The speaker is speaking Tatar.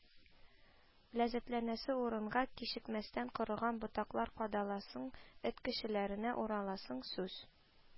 Ләззәтләнәсе урынга, кичекмәстән, корыган ботакларга кадаласың, эт эчәкләренә ураласың, сүз